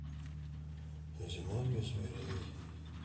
зимовье зверей